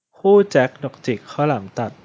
คู่แจ็คดอกจิกข้าวหลามตัด